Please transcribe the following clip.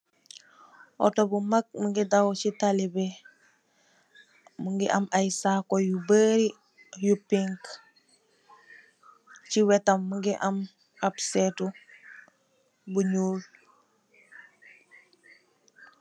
Oto bu mag mungi daw si talibi, mungi am ay saku yu barri, yu pink. Ci wetam mingi am ab setu bu ñuul .